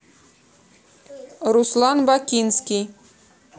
руслан бакинский